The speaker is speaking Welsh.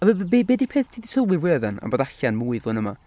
A b- b- b- be 'di peth ti 'di sylwi fwya dden? Am bod allan mwy flwyddyn yma?